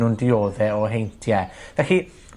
nw'n diodde o heintie. Felly,